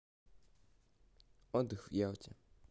отдых в ялте